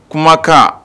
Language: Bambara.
Kumakan